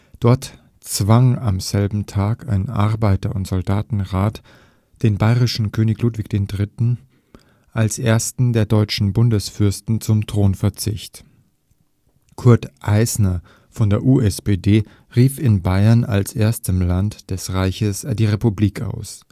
Dort zwang am selben Tag ein Arbeiter - und Soldatenrat bayerischen König Ludwig III. als ersten der deutschen Bundesfürsten zum Thronverzicht. Kurt Eisner von der USPD rief in Bayern als erstem Land des Reiches die Republik aus